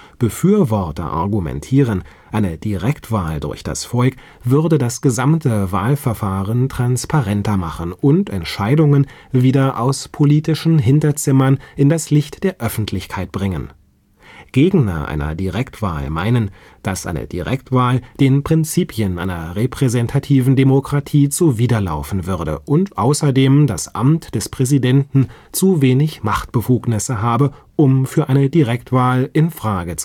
Befürworter argumentieren, eine Direktwahl durch das Volk würde das gesamte Wahlverfahren transparenter machen und Entscheidungen wieder aus politischen Hinterzimmern in das Licht der Öffentlichkeit bringen. Gegner einer Direktwahl meinen, dass eine Direktwahl den Prinzipien einer repräsentativen Demokratie zuwider laufen würde und außerdem das Amt des Präsidenten zu wenig Machtbefugnisse habe, um für eine Direktwahl in Frage